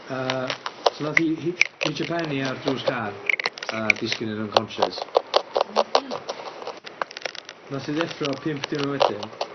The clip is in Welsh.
Yy so nath 'i hi hitio pen 'i ar drws car a disgyn yn unconcious. Su' neu' hynna? Nath 'i ddefro pump diwrno wedyn.